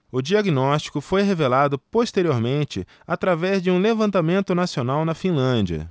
o diagnóstico foi revelado posteriormente através de um levantamento nacional na finlândia